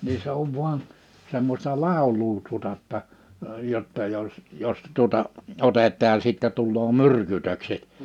niin se on vain semmoista laulua tuota jotta jotta jos jos tuota otetaan ja sitten tulee myrkytykset